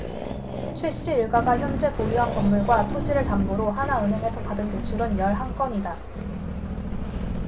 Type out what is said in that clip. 최씨 일가가 현재 보유한 건물과 토지를 담보로 하나은행에서 받은 대출은 열 한 건이다